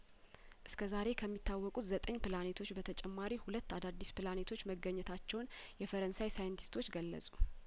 እስከዛሬ ከሚታወቁት ዘጠኝ ፕላኔቶች በተጨማሪ ሁለት አዳዲስ ፕላኔቶች መገኘታቸውን የፈረንሳይ ሳይንቲስቶች ገለጹ